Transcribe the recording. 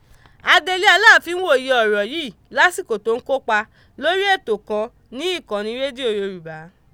Adelé Aláàfin wòyè ọ̀rọ̀ yìí lásìkò tó ń kópa lórí ètò kan ní ìkànnì rédíò Yorùbá.